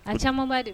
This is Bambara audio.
A caman ba de